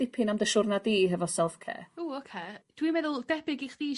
dipyn am dy siwrna di hefo self care. W ocê dwi'n meddwl debyg i chdi